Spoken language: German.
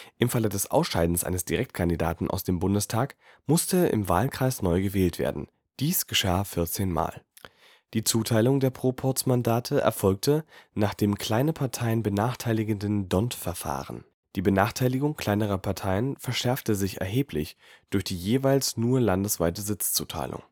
Im Falle des Ausscheidens eines Direktkandidaten aus dem Bundestag musste im Wahlkreis neu gewählt werden. Dies geschah 14 Mal. Die Zuteilung der Proporzmandate erfolgte nach dem kleine Parteien benachteiligenden D’ Hondt-Verfahren. Die Benachteiligung kleiner Parteien verschärfte sich erheblich durch die jeweils nur landesweite Sitzzuteilung